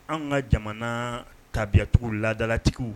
An ka jamana tabiugu ladalatigiw